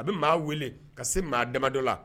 A bɛ maa weele ka se maa dama dɔ la